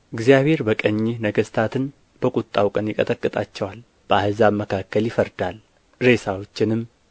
እግዚአብሔር በቀኝህ ነገሥታትን በቍጣው ቀን ይቀጠቅጣቸዋል በአሕዛብ መካከል ይፈርዳል ሬሳዎችንም